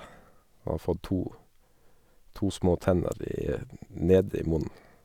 Og har fått to to små tenner i nede i munnen.